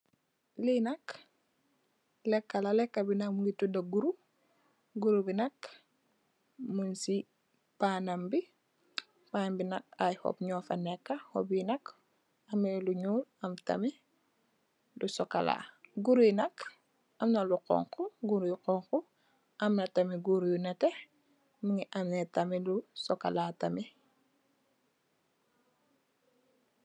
Lee nak leka la leka be nak muge tuda guru guru be nak mugse panam be pan be nak aye hopp nufa neka hopp ye nak ameh lu nuul am tamin lu sukola guru ye nak amna lu xonxo guru yu xonxo amna tamin guru yu neteh muge ameh tamin lu sukola tamin.